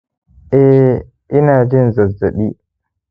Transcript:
eh, ina jin zazzabi.